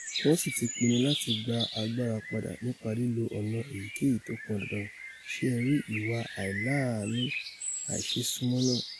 Wọ́n sì ̈ti pinnu láti gba agbára padà nípa lílo ọ̀nà èyíkéyìí tó pọn dandan, sé ẹ rí ìwà aìláàánu, àiṣ̵̵eésúnmọ náà.